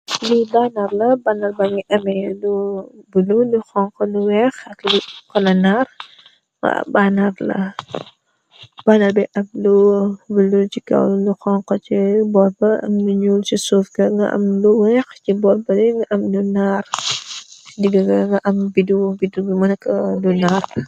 bi banna la banna ba gi amee lu bulue, lu xonxo, lu weex ak lu naar, banna bi ga amm lu bulue si kaw, lu xonko ci borpa bi, am lu ñuul ci suuf, nga am lu weex ci borpa, ga am lu naar, diga am bideew bi mënaka du naar